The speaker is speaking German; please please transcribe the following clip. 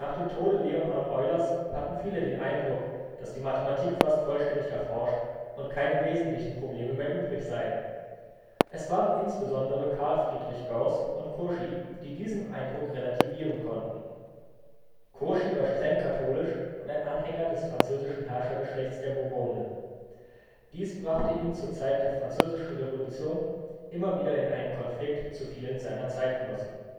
dem Tode Leonhard Eulers hatten viele den Eindruck, dass die Mathematik fast vollständig erforscht und keine wesentlichen Probleme mehr übrig seien. Es waren insbesondere Carl Friedrich Gauß und Cauchy, die diesen Eindruck relativieren konnten. Cauchy war streng katholisch und ein Anhänger des französischen Herrschergeschlechts der Bourbonen. Dies brachte ihn zur Zeit der Französischen Revolution immer wieder in einen Konflikt zu vielen seiner Zeitgenossen